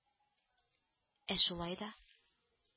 — ә шулай да